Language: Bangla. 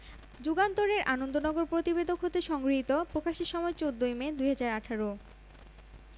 যুগান্তর এর আনন্দনগর প্রতিবেদক হতে সংগৃহীত প্রকাশের সময় ১৪ মে ২০১৮